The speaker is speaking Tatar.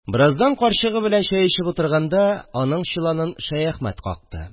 Бераздан карчыгы белән чәй эчеп утырганда аның чоланын Шәяхмәт какты